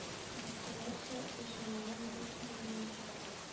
Дистәләрчә эшелонын юл кырыена “очыра”.